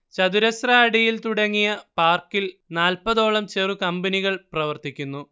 ചതുരശ്ര അടിയിൽ തുടങ്ങിയ പാർക്കിൽ നാല്പതോളം ചെറുകമ്പനികൾ പ്രവർത്തിക്കുന്നു